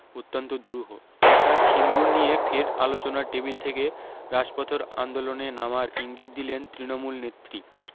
অত্যন্ত দুরূহ অর্থাৎ সিঙ্গুর নিয়ে ফের আলোচনার টেবিল থেকে রাজপথের আন্দোলনে নামার ইঙ্গিত দিলেন তৃণমূলনেত্রী